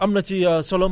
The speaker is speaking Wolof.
am na ci solo